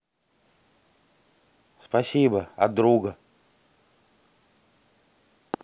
спасибо от друга